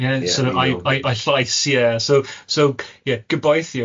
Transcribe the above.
ie, sor' of ei ei ei llais ie so so ie gobeithio